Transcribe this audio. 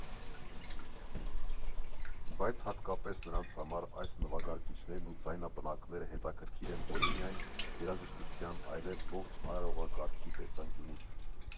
Բայց հատկապես նրանց համար այս նվագարկիչներն ու ձայնապնակները հետաքրքիր են ոչ միայն երաժշտության, այլև ողջ արարողակարգի տեսանկյունից։